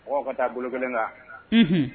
Aw ka taa bolo kelen kan hun